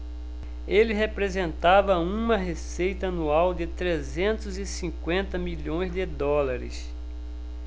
ele representava uma receita anual de trezentos e cinquenta milhões de dólares